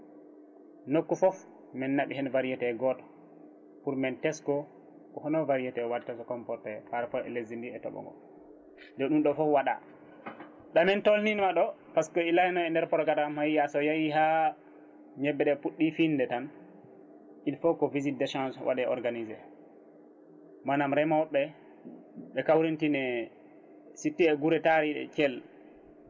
nokku foof min naaɓi hen variété goto pour min tesko ko hono variété waddata comporté par rapport e leydi ndi e tooɓo no ƴeew ɗum ɗo foof waɗa ɗomin tolnino ɗo par ce que i layino e nder programme mo yaa so yeehi ha ñebbe ɗe puɗɗi fiinde tan il faut ko visite d' échange waɗe organisé manam remoɓe ɓe kawrintine si tawi guuri taariɗe Thiel